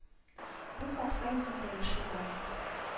Бу хакта үзем дә еш уйланам